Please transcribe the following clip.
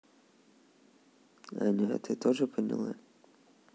аня а ты тоже поняла